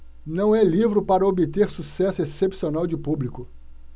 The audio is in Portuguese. não é livro para obter sucesso excepcional de público